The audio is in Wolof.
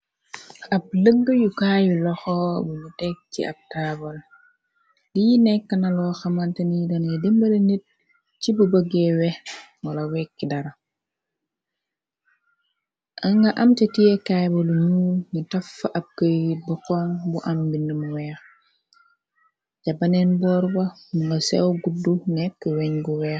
Ab lëggubyu kaayu loxoo bu bu teg ci ab taabal lii nekk naloo xamante ni danee dembale nit ci bu bëggeewe wala wekki dara anga amte tiyekaayba lu ñu nu tafa ab këy boxon bu am binda bu weex sa baneen boorba mu ngi sew guda neka weñ gu weex.